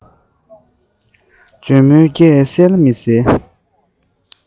འཇོལ མོའི སྐད གསལ ལ མི གསལ བ